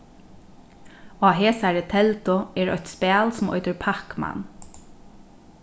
á hesari teldu er eitt spæl sum eitur pacman